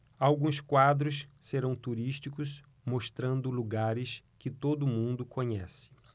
alguns quadros serão turísticos mostrando lugares que todo mundo conhece